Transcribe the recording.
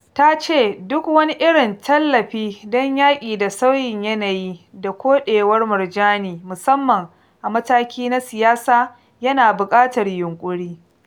Ta ce duk wani irin tallafi don yaƙi da sauyin yanayi da koɗewar murjani musamman a mataki na siyasa yana "buƙatar yunƙuri".